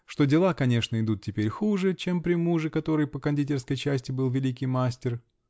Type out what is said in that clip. что дела, конечно, идут теперь хуже, чем при муже, который по кондитерской части был великий мастер.